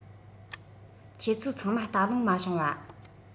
ཁྱེད ཚོ ཚང མ བལྟ ལོང མ བྱུང བ